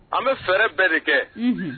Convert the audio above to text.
An bɛ fɛɛrɛ bɛɛ de kɛ